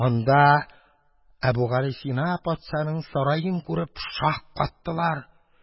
Анда Әбүгалисина патшаның сараен күреп шаккатылар.